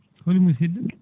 holi musidɗo